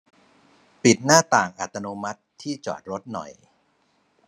ปิดหน้าต่างอัตโนมัติที่จอดรถหน่อย